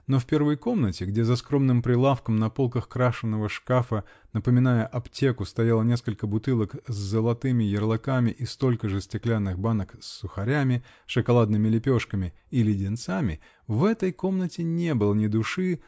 но в первой комнате, где, за скромным прилавком, на полках крашеного шкафа, напоминая аптеку, стояло несколько бутылок с золотыми ярлыками и столько же стеклянных банок с сухарями, шоколадными лепешками и леденцами, -- в этой комнате не было ни души